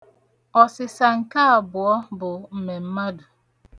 Osisa nke abụọ bụ mmemmadụ.